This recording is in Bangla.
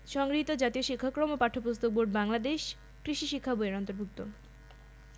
ভিন্ন ভিন্ন মৌলের পরমাণু পরস্পর যুক্ত হলে তাকে যৌগের অণু বলে যেমন কার্বন ডাই অক্সাইড